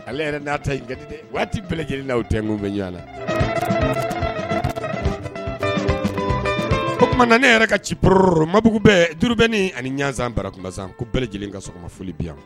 Ale yɛrɛ n'a ta in jatedi dɛ waati bɛɛ lajɛlen o tɛ n kun bɛ ɲ la o tuma na ne yɛrɛ ka ci poro mabugu bɛɛ duurunen ani ɲsan barasan ko bɛɛlɛ lajɛlen ka sɔgɔma foli bi yan